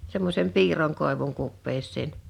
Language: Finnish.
semmoisen piirron koivun kupeeseen